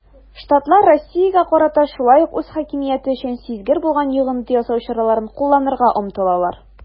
Штатлар Россиягә карата шулай ук үз хакимияте өчен сизгер булган йогынты ясау чараларын кулланырга омтылалар.